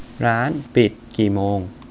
ร้านปิดกี่โมง